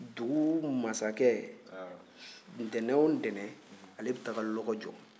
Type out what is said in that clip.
dugu masakɛ ntɛnɛn o ntɛnɛn ale bɛ taa dɔgɔ jɔ